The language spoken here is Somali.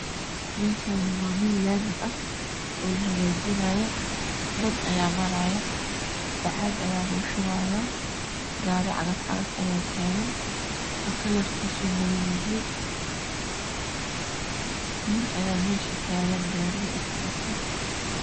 Meshan waa mel lami ah oo lahagajiniyo dad ayaa marayo bacaad aya lgu shupayaa gari cagaf cagaf ayaa tagan oo kalarkiiso yahay madow nin ayaa meesha tagan gaariga agtiisa